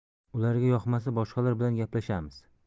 ularga yoqmasa boshqalar bilan gaplashamiz